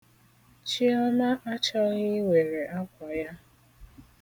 Chiọma achọghị iwere akwa ya.